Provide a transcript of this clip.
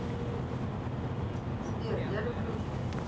сбер я люблю тебя